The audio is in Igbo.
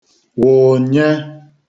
wụ̀nye